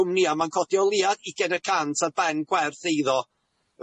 cwmnïa 'ma'n codi o leia ugain y cant ar ben gwerth eiddo.